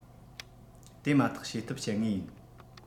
དེ མ ཐག བྱེད ཐབས སྤྱད ངེས ཡིན